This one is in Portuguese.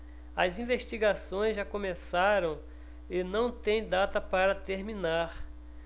as investigações já começaram e não têm data para terminar